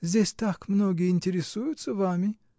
Здесь так многие интересуются вами.